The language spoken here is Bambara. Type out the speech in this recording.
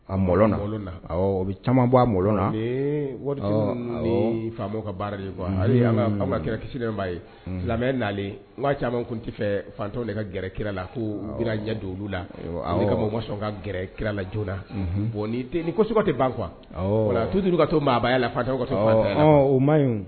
A mɔ o bɛ caman bɔ a mɔ na ka baara de kuwa kira ye silamɛ nalen caman tun tɛ fɛ fatɔ de ka gɛrɛ kira la ko olu la bɔ sɔn ka gɛrɛ kiralajo la bɔn koso tɛ ban qu kuwa wala tudu ka to maa la fa o ma